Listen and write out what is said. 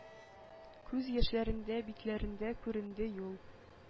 Күз яшьләрдән битләрендә күренде юл;